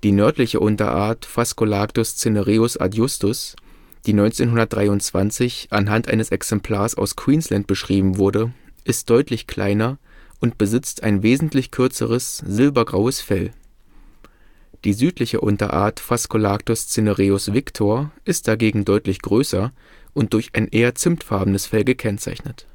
nördliche Unterart Phascolarctos cinereus adjustus, die 1923 anhand eines Exemplars aus Queensland beschrieben wurde, ist deutlich kleiner und besitzt ein wesentlich kürzeres silbergraues Fell. Die südliche Unterart Phascolarctos cinereus victor ist dagegen deutlich größer und durch ein eher zimtfarbenes Fell gekennzeichnet